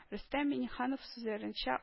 Рөстәм Миңнеханов сүзләренчә